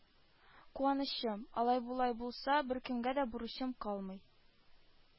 Куанычым, алай-болай булса, беркемгә дә бурычым калмый,